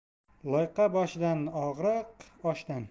loyqa boshdan og'riq oshdan